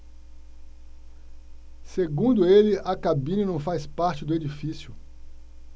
segundo ele a cabine não faz parte do edifício